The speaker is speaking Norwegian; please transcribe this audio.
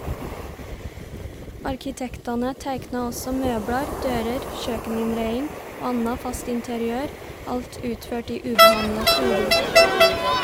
Arkitektane teikna også møblar, dører, kjøkeninnreiing og anna fast interiør, alt utført i ubehandla furu.